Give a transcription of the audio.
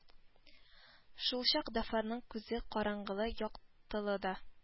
Шулчак дафарның күзе караңгылы-яктылыда